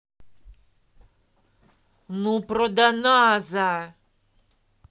ну проданаза